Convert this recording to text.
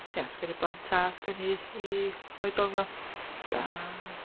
Ia, sgwennu i blant a sgwennu i oedolion, a...